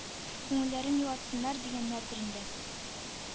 Күңелләрен юатсыннар, дигәннәрдер инде.